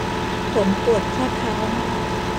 ผมปวดข้อเท้ามาก